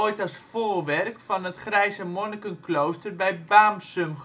als voorwerk van het Grijzemonnikenklooster bij Baamsum